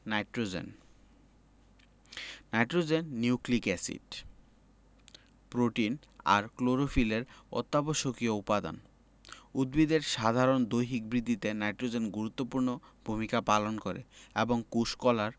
nitrogen nitrogen nucleic acid protein আর ক্লোরোফিলের অত্যাবশ্যকীয় উপাদান উদ্ভিদের সাধারণ দৈহিক বৃদ্ধিতে নাইট্রোজেন গুরুত্বপূর্ণ ভূমিকা পালন করে এবং কোষ কলার